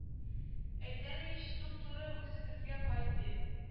Әйтәм ич туп-туры үзебезгә кайт дип